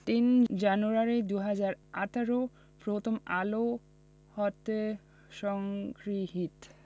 ০৩ January ২০১৮ Prothom Alo হতে সংগৃহীত